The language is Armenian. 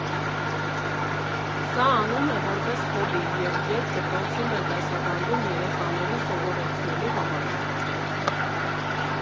Սա անում է որպես հոբբի և երբ դպրոցում էր դասավանդում երեխաներին սովորեցնելու համար։